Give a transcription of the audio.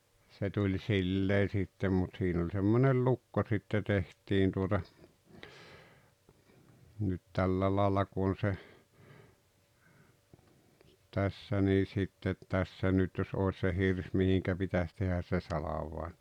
se tuli sillä lailla sitten mutta siinä oli semmoinen lukko sitten tehtiin tuota nyt tällä lailla kun on se tässä niin sitten tässä nyt jos olisi se hirsi mihin pitäisi tehdä se salvain